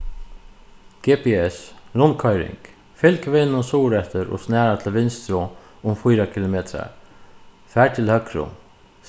gps rundkoyring fylg vegnum suðureftir og snara til vinstru um fýra kilometrar far til høgru